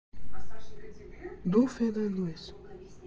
Դու ֆեյլելու ես։